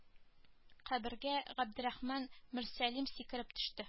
Кабергә габдерахман мөрсәлим сикереп төште